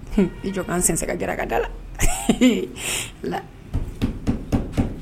Hun, i jɔ n k'an sɛnsɛn ka gɛrɛ a ka da la